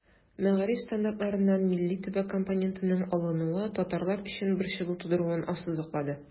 Мәгариф стандартларыннан милли-төбәк компонентының алынуы татарлар өчен борчылу тудыруын ассызыклады.